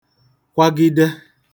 kwagide